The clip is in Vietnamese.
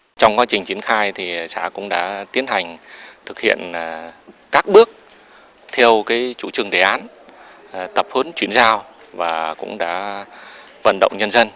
trong quá trình triển khai thì xã cũng đã tiến hành thực hiện là các bước theo cái chủ trương đề án tập huấn chuyển giao và cũng đã vận động nhân dân